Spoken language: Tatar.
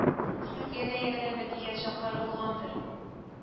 Сезгә дә ярдәме тигән чаклары булгандыр